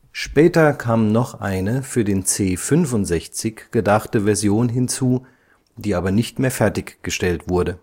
Später kam noch eine für den C65 gedachte Version hinzu, die aber nicht mehr fertiggestellt wurde